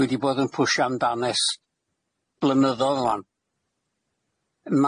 Dwi 'di bod yn pwshio amdan es blynyddodd ŵan.